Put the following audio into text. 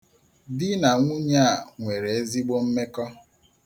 Di na nwunye a nwere ezigbo mmekọ.